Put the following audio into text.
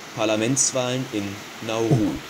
Parlamentswahlen in Nauru